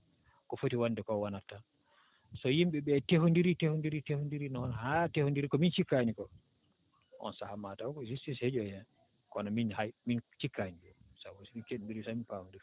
ko foti wonde ko wonat tan so yimɓe ɓe tehonndirii tehonndirii tehonndirii noon haa no tehonndirii komin cikkaani koo on sahaa ma taw ko justice heeƴoy heen kono min hay min cikkaani ɗum sabu so min keɗonndirii tan min paamonndirii